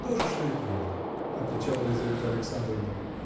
– То же, что и прежде, – отвечала Лизавета Александровна.